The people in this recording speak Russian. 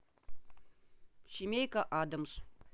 семейка адамс